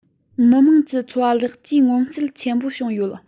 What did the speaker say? མི དམངས ཀྱི འཚོ བ ལེགས བཅོས མངོན གསལ ཆེན པོ བྱུང ཡོད